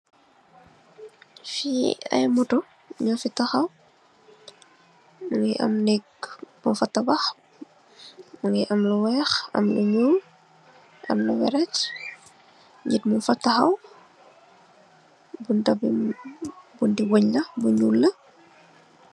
Fi ay moto nyo fi tahaw, nungi am nèeg bun fa tabah, mungi am lu weeh, am lu ñuul, am lu vert. Nit mung fa tahaw. bunta bi bunti wënn la, bu ñuul la.